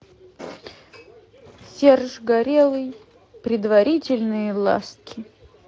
серж горелый предварительные ласки